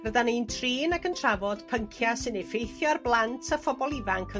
fydda ni'n trin ag yn trafod pyncia' sy'n effeithio ar blant a phobol ifanc yng